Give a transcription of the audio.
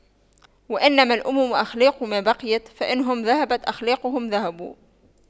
وإنما الأمم الأخلاق ما بقيت فإن هم ذهبت أخلاقهم ذهبوا